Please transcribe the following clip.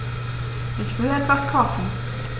Ich will etwas kochen.